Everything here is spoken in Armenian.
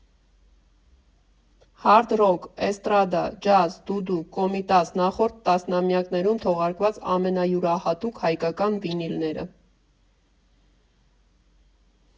Հարդ ռոք, էստրադա, ջազ, դուդուկ, Կոմիտաս՝ նախորդ տասնամյակներում թողարկված ամենայուրահատուկ հայկական վինիլները։